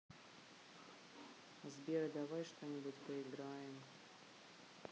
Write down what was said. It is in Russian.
сбер давай что нибудь поиграем